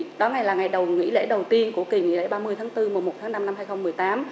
đó là ngày là ngày đầu nghỉ lễ đầu tiên của kỳ nghỉ lễ ba mươi tháng tư mùng một tháng năm năm hai không mười tám